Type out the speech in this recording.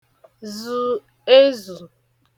zù ezù